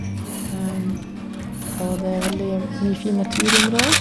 Og det er veldig mye fin natur i området.